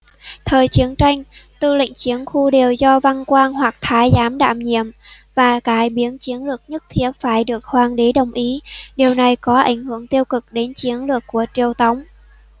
thời chiến tranh tư lệnh chiến khu đều do văn quan hoặc thái giám đảm nhiệm và cải biến chiến lược nhất thiết phải được hoàng đế đồng ý điều này có ảnh hưởng tiêu cực đến chiến lực của triều tống